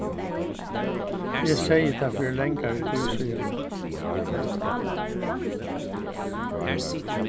eg segði tað fyri langari tíð síðani